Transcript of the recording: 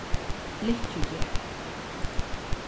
lykkjugerði